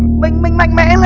mình mình mạnh mẽ lên